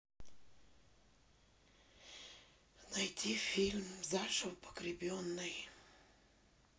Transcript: найди фильм заживо погребенный